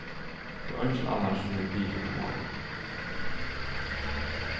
tað er eingin annar sum hevur biðið um orðið